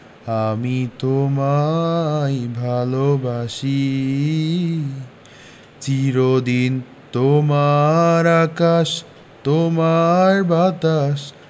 আমি তোমায় ভালোবাসি চির দিন তোমার আকাশ তোমার বাতাস